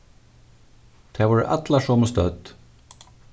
tær vóru allar somu stødd